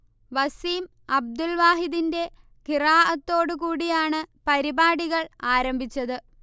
വസീംഅബ്ദുൽ വാഹിദിന്റെ ഖിറാഅത്തോട് കൂടിയാണ് പരിപാടികൾ ആരംഭിച്ചത്